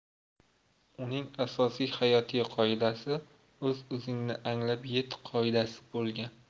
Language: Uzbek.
uning asosiy hayotiy qoidasi o'z o'zingni anglab yet qoidasi bo'lgan